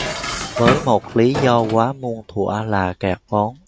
với một lý do quá muôn thủa là kẹt vốn